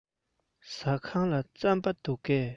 ཟ ཁང ལ རྩམ པ འདུག གས